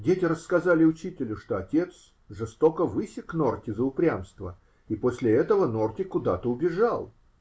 Дети рассказали учителю, что отец жестоко высек Норти за упрямство и после этого Норти куда-то убежал.